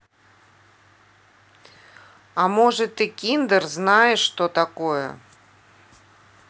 а может ты kinder знаешь что такое